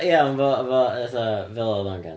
Ia, ond fela fela... fatha fela oedd o'n canu.